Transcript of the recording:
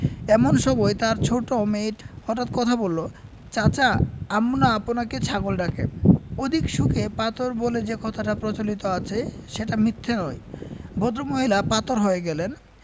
এমন সময় তাঁর ছোট মেয়ে হঠাৎ কথা বলল চাচা আম্মু না আপনাকে ছাগল ডাকে অধিক শোকে পাথর বলে যে কথাটা প্রচলিত আছে সেটা মিথ্যা নয় ভদ্র মহিলা পাথর হয়ে গেলেন